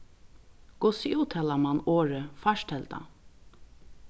hvussu úttalar mann orðið fartelda